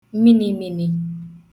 minimini